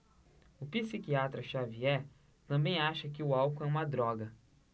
o psiquiatra dartiu xavier também acha que o álcool é uma droga